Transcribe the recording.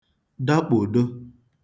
dakpòdo